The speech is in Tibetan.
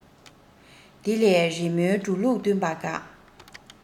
དེ ལས རི མོའི འགྲོ ལུགས བསྟུན པ དགའ